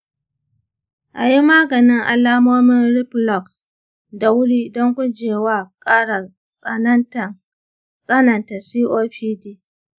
a yi maganin alamomin reflux da wuri don gujewa ƙara tsananta copd.